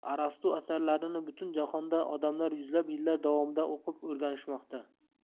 arastu asarlarini butun jahonda odamlar yuzlab yillar davomida o'qib o'rganishmoqda